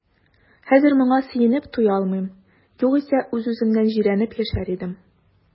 Хәзер моңа сөенеп туя алмыйм, югыйсә үз-үземнән җирәнеп яшәр идем.